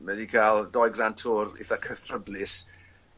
mae 'di ca'l doi grand tour itha cythryblus.